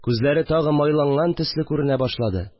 Күзләре тагы майланган төсле күренә башлады